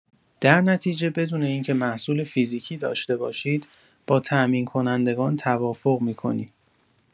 در نتیجه بدون اینکه محصول فیزیکی داشته باشید با تامین‌کنندگان توافق می‌کنی.